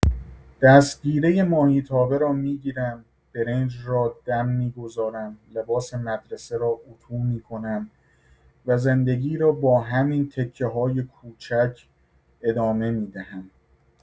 دستگیره ماهیتابه را می‌گیرم، برنج را دم می‌گذارم، لباس مدرسه را اتو می‌کنم و زندگی را با همین تکه‌های کوچک ادامه می‌دهم.